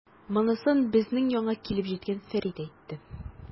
Монысын безнең янга килеп җиткән Фәрит әйтте.